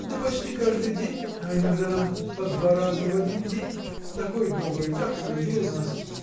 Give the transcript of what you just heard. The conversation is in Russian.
– Да почти каждый день, а иногда по два раза в один день такой добрый, так полюбил нас.